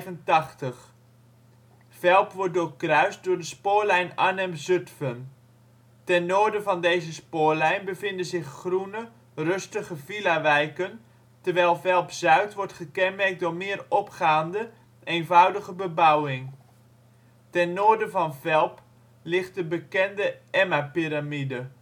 N785. Velp wordt doorkruist door de spoorlijn Arnhem-Zutphen. Ten noorden van deze spoorlijn bevinden zich groene, rustige villawijken terwijl Velp-Zuid wordt gekenmerkt door meer opgaande, eenvoudige bebouwing. Ten noorden van Velp ligt de bekende Emma-Piramide